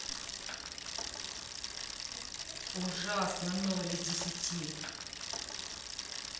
ужасно ноль из десяти